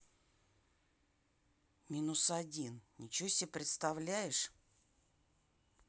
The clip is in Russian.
минус один ничего себе представляешь